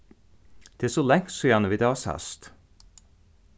tað er so langt síðani vit hava sæst